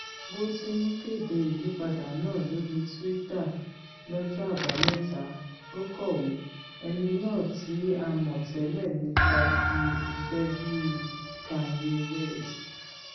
Bóti ńkéde ìyípadà náà lórí Twitter lọ́jọ́ Àbámẹ́ta, ó kọ̀wé: ''Ẹni náà tí a mọ̀ tẹ́lẹ̀ nípa ti iṣẹ́ bíi Kanye West.''